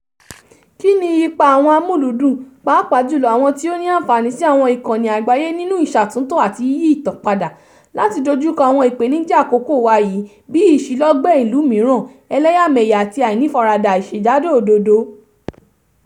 Kí ni ipa àwọn amúlùúdùn, pàápàá jùlọ àwọn tí ó ní àǹfààní sí àwọn ìkànì àgbáyé nínú ìṣàtúnt̀o àti yíyí ìtàn padà láti dojúkọ àwọn ìpènijà àkókò wa yìí, bí i ìṣílọgbé ìlú mìíràn, ẹlẹ́yàmẹ̀yà àti àìnífarada/àìṣèdájọ́-òdodo.